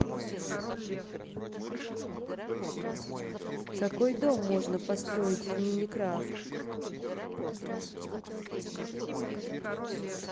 какой дом можно построить в minecraft